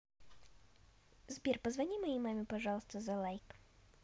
сбер позвони моей маме пожалуйста за лайк